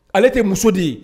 Ale te muso de ye